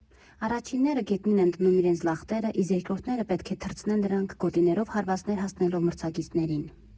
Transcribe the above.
Առաջինները գետնին են դնում իրենց լախտերը, իսկ երկրորդները պետք է թռցնեն դրանք՝ գոտիներով հարվածներ հասցնելով մրցակիցներին։